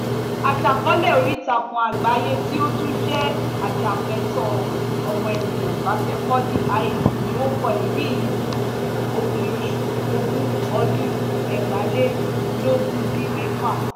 Aṣàkọọ́lẹ̀ oríìtakùn àgbáyé tí ó tún jẹ́ ajàfẹ́tọ̀ọ́ ọmọnìyàn Befeqadu Hailu ni ó kọ ẹ̀rí yìí ní òpin oṣù Ògún ọdún 2014.